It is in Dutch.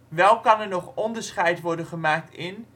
Wel kan er nog onderscheid worden gemaakt in